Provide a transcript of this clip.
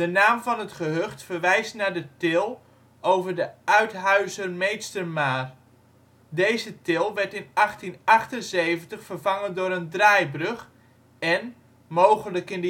naam van het gehucht verwijst naar de til over de (Uithuizer) Meedstermaar. Deze til werd in 1878 vervangen door een draaibrug en - mogelijk in